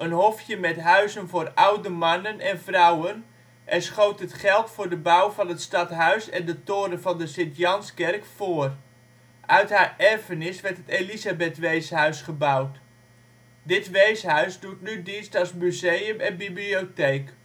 hofje met huizen voor oude mannen en vrouwen, en schoot het geld voor de bouw van het Stadhuis en de toren van de St. Janskerk voor. Uit haar erfenis werd het Elisabeth-Weeshuis gebouwd. Dit weeshuis doet nu dienst als museum en bibliotheek